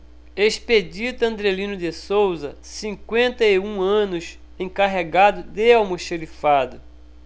expedito andrelino de souza cinquenta e um anos encarregado de almoxarifado